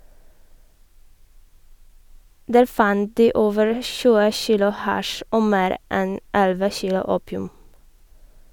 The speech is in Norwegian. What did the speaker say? Der fant de over 20 kilo hasj og mer enn 11 kilo opium.